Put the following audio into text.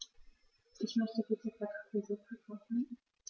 Ich möchte bitte Kartoffelsuppe kochen.